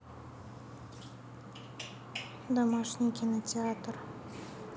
домашний кинотеатр